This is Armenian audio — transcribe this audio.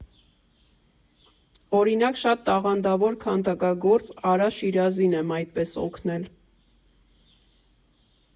Օրինակ, շատ տաղանդավոր քանդակագործ Արա Շիրազին եմ այդպես օգնել։